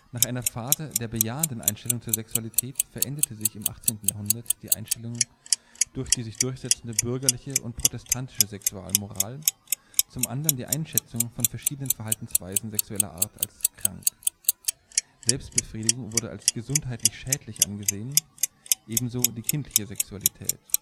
einer Phase der bejahenden Einstellung zur Sexualität veränderte sich im 18. Jahrhunderts die Einstellung durch die sich durchsetzende bürgerliche und protestantische Sexualmoral, zum anderen die Einschätzung von verschiedenen Verhaltensweisen sexueller Art als „ krank “: Selbstbefriedigung wurde als gesundheitlich schädlich angesehen, ebenso die kindliche Sexualität